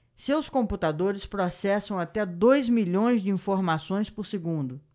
seus computadores processam até dois milhões de informações por segundo